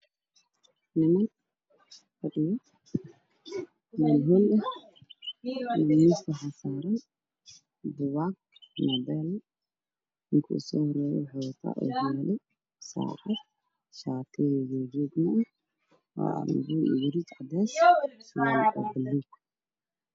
Waxaa ii muuqda qol ay ku jiraan niman fara badan waxa ayna wataan warqado iyo boogaaga yaryar iyo moobeello qaarna waxa ay wataan ookiyaallo